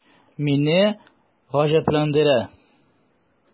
Мине гаҗәпләндерә: